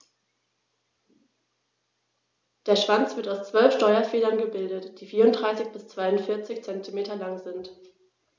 Der Schwanz wird aus 12 Steuerfedern gebildet, die 34 bis 42 cm lang sind.